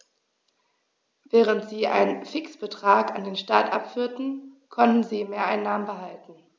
Während sie einen Fixbetrag an den Staat abführten, konnten sie Mehreinnahmen behalten.